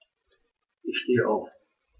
Ich stehe auf.